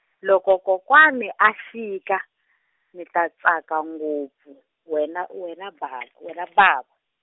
loko kokwana a fika, ni ta tsaka ngopfu, wena u wena ba- wena bava.